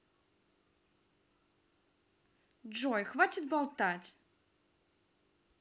джой хватит болтать